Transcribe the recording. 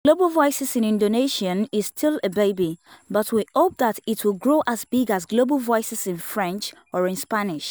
Global Voices in Indonesian is still a baby but we hope that it will grow as big as Global Voices in French or in Spanish.